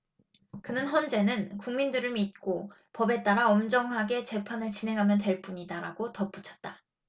그는 헌재는 국민들을 믿고 법에 따라 엄정하게 재판을 진행하면 될 뿐이다라고 덧붙였다